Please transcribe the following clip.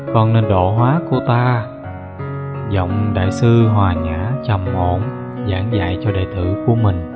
con nên độ hóa cô ta giọng đại sư hòa nhã trầm ổn giảng dạy cho đệ tử của mình